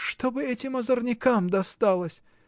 Чтобы этим озорникам досталось!